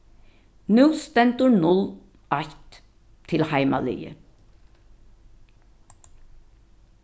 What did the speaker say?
nú stendur null eitt til heimaliðið